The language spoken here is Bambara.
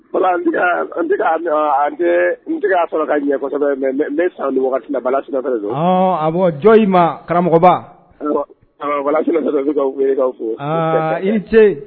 An n'a sɔrɔ ka ɲɛ kosɛbɛ mɛ n bɛ san bala a jɔn ma karamɔgɔba welekaw fo aa i ce